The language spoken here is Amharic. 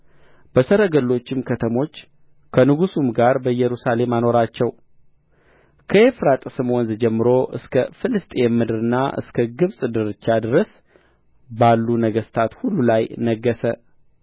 በሰረገሎችም ከተሞች ከንጉሡም ጋር በኢየሩሳሌም አኖራቸው ከኤፍራጥስም ወንዝ ጀምሮ እስከ ፍልስጥኤም ምድርና እስከ ግብጽ ዳርቻ ድረስ ባሉ ነገሥታት ሁሉ ላይ ነገሠ